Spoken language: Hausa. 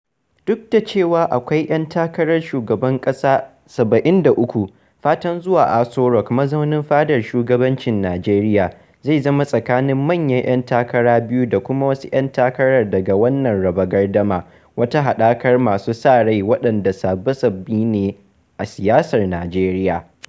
Duk da cewa akwai 'yan takarar shugaban ƙasa guda 73, fatan zuwa Aso Rock - mazaunin fadar shugabancin Najeriya - zai zama tsakanin manyan 'yan takara biyu da kuma wasu 'yan takara daga wannan "raba gardama", wata haɗakar masu sa-rai waɗanda sababbi-sababbi ne a siyasar Najeriya.